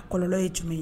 A kɔlɔ ye jumɛn ye